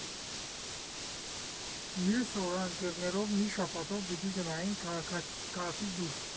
Մյուս օրը ընկերներով մի շաբաթով պիտի գնայինք քաղաքից դուրս։